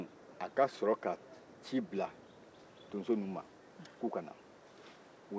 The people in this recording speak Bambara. dɔnki a ka sɔrɔ ka ci bila donso ninnu ma k'o ka na